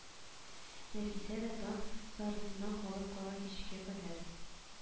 Нәфисә дә таң сарысыннан калып кара кичкә кадәр